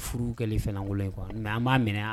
Furu kɛli fɛnlankolon in quoi mais an b'a minɛ